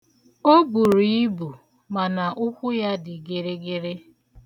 O buru ibu mana ukwu dị gịrịgịrị.